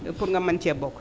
pour nga mën cee bokk